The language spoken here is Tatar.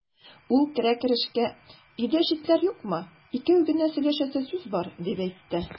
Ул керә-керешкә: "Өйдә читләр юкмы, икәү генә сөйләшәсе сүз бар", дип әйтте.